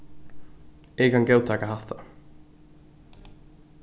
eg kann góðtaka hatta